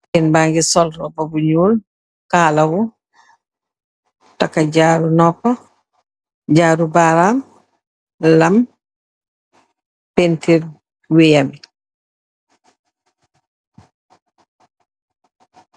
Xalèh bu gigeen ba ngi sol róbba bu ñuul, kalahu, takka jaru nopuh, jaru baram, lam pentir wè ham yi.